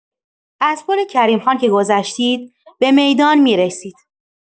از پل کریم‌خان که گذشتید به میدان می‌رسید.